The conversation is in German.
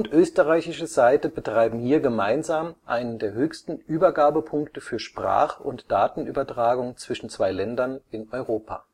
A1TA und DTAG betreiben hier gemeinsam einen der höchsten Übergabepunkte für Sprach - und Datenübertragung zwischen zwei Ländern in Europa